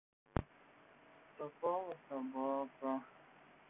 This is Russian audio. пропала собака